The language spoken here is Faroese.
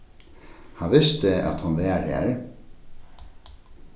hann visti at hon var har